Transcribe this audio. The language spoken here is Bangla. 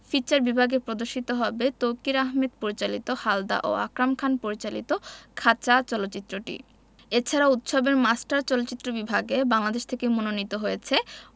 ফিচার বিভাগে প্রদর্শিত হবে তৌকীর আহমেদ পরিচালিত হালদা ও আকরাম খান পরিচালিত খাঁচা চলচ্চিত্র এছাড়াও উৎসবের মাস্টার চলচ্চিত্র বিভাগে বাংলাদেশ থেকে মনোনীত হয়েছে